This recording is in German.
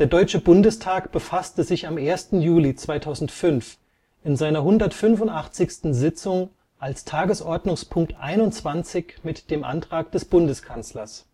Der Deutsche Bundestag befasste sich am 1. Juli 2005 in seiner 185. Sitzung als Tagesordnungspunkt 21 mit dem Antrag des Bundeskanzlers